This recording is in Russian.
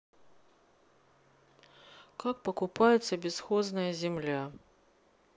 как покупается бесхозная земля